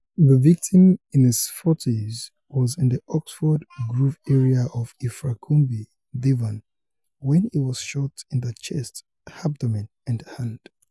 The victim, in his 40s, was in the Oxford Grove area of Ilfracombe, Devon, when he was shot in the chest, abdomen and hand.